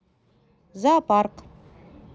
зоопарк